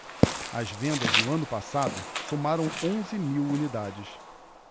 as vendas no ano passado somaram onze mil unidades